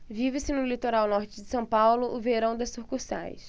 vive-se no litoral norte de são paulo o verão das sucursais